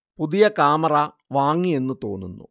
പുതിയ കാമറ വാങ്ങി എന്ന് തോന്നുന്നു